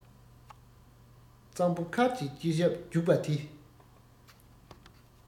གཙང པོ མཁར གྱི དཀྱིལ ཞབས རྒྱུགས པ དེ